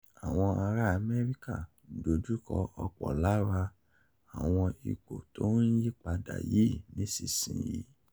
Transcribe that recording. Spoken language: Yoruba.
Àwọn ará Amẹ́ríkà dojú kọ ọ̀pọ̀ lára àwọn ipò tó ń yí padà yìí nísinsìnyí.